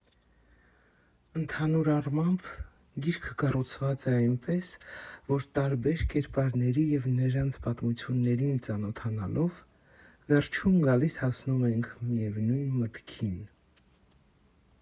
Ընդհանուր առմամբ, գիրքը կառուցված է այնպես, որ տարբեր կերպարների և նրանց պատմություններին ծանոթանալով՝ վերջում գալիս֊հանգում ենք միևնույն մտքին.